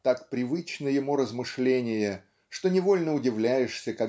так привычно ему размышление что невольно удивляешься